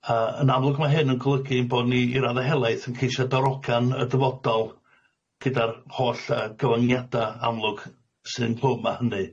Yy yn amlwg ma' hyn yn golygu bo' ni i radde helaeth yn ceisio darogan y dyfodol gyda'r holl yy gofyniada amlwg sy'n plwm â hynny.